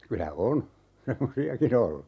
kyllä on semmoisiakin ollut